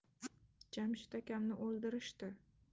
jamshid akamni o'ldirishdi